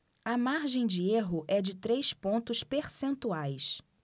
a margem de erro é de três pontos percentuais